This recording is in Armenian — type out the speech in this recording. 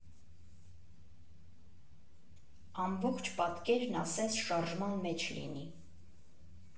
Ամբողջ պատկերն ասես շարժման մեջ լինի։